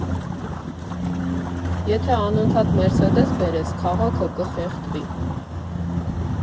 Եթե անընդհատ «Մերսեդես» բերես, քաղաքը կխեղդվի։